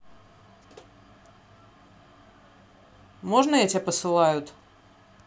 можно я тебя посылают